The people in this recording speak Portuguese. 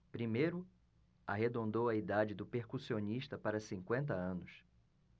primeiro arredondou a idade do percussionista para cinquenta anos